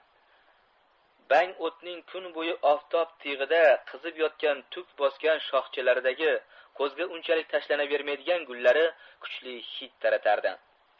bang o'tning kun bo'yi oftob tig'ida qizib yotgan tuk bosgan shoxchalaridagi ko'zga unchalik tashlanavermaydigan gullari kuchli hid taratardi